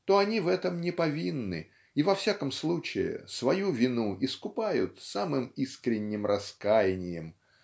то они в этом неповинны и во всяком случае свою вину искупают самым искренним раскаянием.